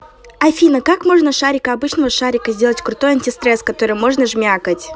афина как можно шарика обычного шарика сделать крутой антистресс который можно жмякать